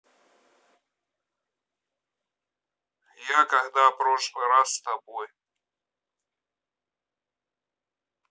я когда прошлый раз с тобой